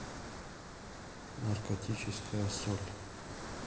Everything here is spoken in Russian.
наркотическая соль